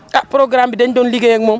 ah programme bi dañ doon liggéey ak moom